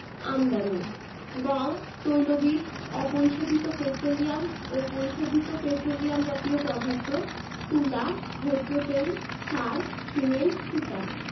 আমদানিঃ গম তৈলবীজ অপরিশোধিত পেট্রোলিয়াম ও পরিশোধিত পেট্রোলিয়াম জাতীয় পদার্থ তুলা ভোজ্যতেল সার সিমেন্ট সুতা